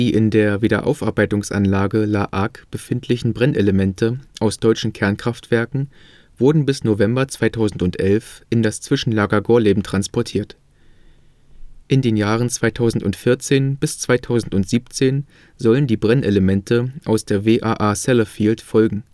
in der Wiederaufarbeitungsanlage La Hague befindlichen Brennelemente aus deutschen Kernkraftwerken wurden bis November 2011 in das Zwischenlager Gorleben transportiert. In den Jahren 2014 bis 2017 sollen die Brennelemente aus der WAA Sellafield folgen